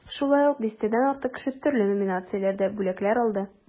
Шулай ук дистәдән артык кеше төрле номинацияләрдә бүләкләр алды.